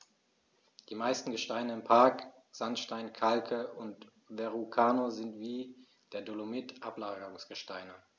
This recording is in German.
Die meisten Gesteine im Park – Sandsteine, Kalke und Verrucano – sind wie der Dolomit Ablagerungsgesteine.